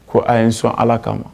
Ko a ye n sɔn ala kama